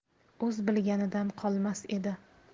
o'z bilganidan qolmas edi